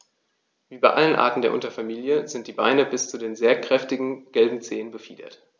Wie bei allen Arten der Unterfamilie sind die Beine bis zu den sehr kräftigen gelben Zehen befiedert.